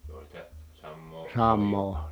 se oli se samaa kaljaa